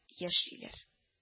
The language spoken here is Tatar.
Яшиләр